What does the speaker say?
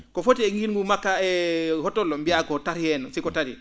ko foti e ngilngu makka e holtollo mbiyaa ko tati en si ko tati